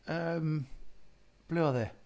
Yym ble oedd e?